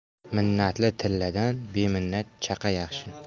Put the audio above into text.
minnatli tilladan beminnat chaqa yaxshi